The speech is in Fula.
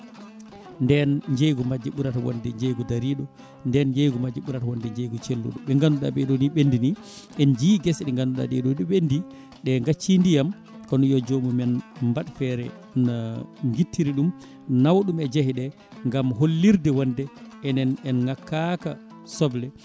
nden jeygu majje ɓuurata wonde jeeygu daariɗo nden jeygu majje ɓuurata wonde jeygu celluɗo ɓe ganduɗa ɓeeɗo ni ɓendini en jii guese ɗe ganduɗa ɗe ɗo ni ɗe ɓendi ɗe gacci ndiyam kono yo joomumen mbad feere no guittiri ɗum nawa ɗum e jeeheɗe gaam hollirde wonde enen en ngakkaka soble